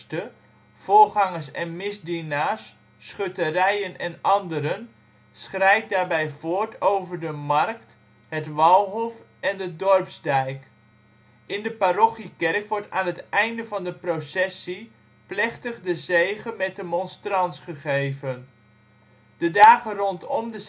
voorgangers en misdienaars, schutterijen en anderen - schrijdt daarbij voort over de Markt, het Walhof en de Dorpsdijk. In de parochiekerk wordt aan het einde van de processie plechtig de zegen met de monstrans gegeven. De dagen rondom de